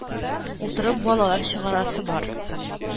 Утырып балалар чыгарасы бар...